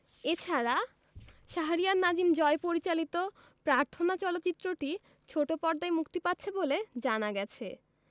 এ ছাড়া শাহরিয়ার নাজিম জয় পরিচালিত প্রার্থনা চলচ্চিত্রটি ছোট পর্দায় মুক্তি পাচ্ছে বলে জানা গেছে